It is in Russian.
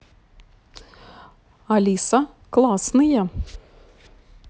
алиса классные